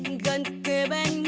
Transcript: gần kề bên